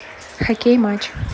хоккей матч